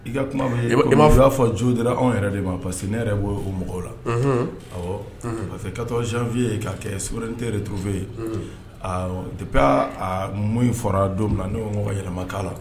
I ka kuma bɛ i m'a y'a fɔ jo de anw yɛrɛ de ma parce que ne yɛrɛ o mɔgɔw la parce que ka janfiniye ye ka kɛ skoin tɛ de tun bɛ yen de bɛ mun fɔra don na ne mɔgɔ ka yɛlɛma la